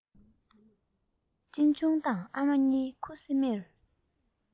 གཅེན པོ དང ཨ མ གཉིས ཁུ སིམ མེར